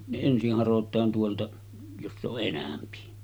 ne ensin harotaan tuolta jossa on enempi